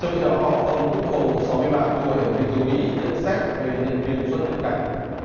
trong khi đó ông út hồ sáu mươi ba tuổi việt kiều mỹ nhận xét về nhân viên xuất nhập cảnh